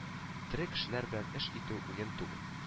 Тере кешеләр белән эш итү уен түгел